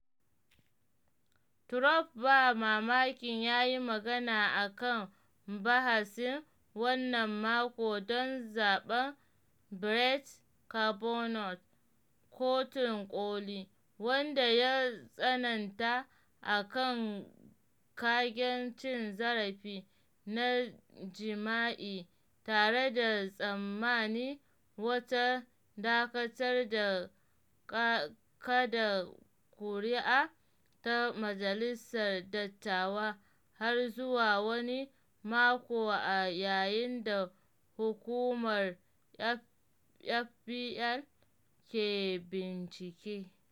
Trump ba mamaki ya yi magana a kan bahasin wannan mako don zaɓan Brett Kavanaugh Kotun Koli, wanda ya tsananta a kan kagen cin zarafi na jima’i tare da tsammani wata dakatar da kaɗa kuri’a ta Majalisar Dattawa har zuwa wani mako a yayin da hukumar FBI ke bincike.